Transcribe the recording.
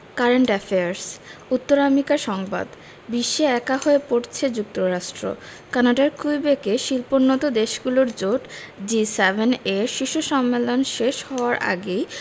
current affairs উত্তর America সংবাদ বিশ্বে একা হয়ে পড়ছে যুক্তরাষ্ট্র কানাডার কুইবেকে শিল্পোন্নত দেশগুলোর জোট জি ৭ এর শীর্ষ সম্মেলন শেষ হওয়ার আগেই